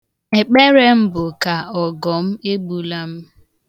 Ekpere m bụ ka ọgọ m egbula m.